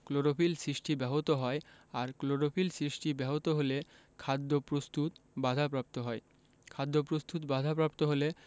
chlorophyll সৃষ্টি ব্যাহত হয় আর ক্লোরোফিল সৃষ্টি ব্যাহত হলে খাদ্য প্রস্তুত বাধাপ্রাপ্ত হয় খাদ্যপ্রস্তুত বাধাপ্রাপ্ত হলে